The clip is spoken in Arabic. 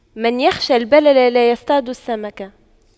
من يخشى البلل لا يصطاد السمك